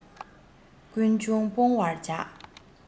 ཀུན འབྱུང སྤོང བར བྱ